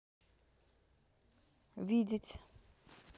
видеть